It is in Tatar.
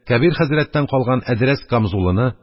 , кәбир хәзрәттән калган әдрәс камзулыны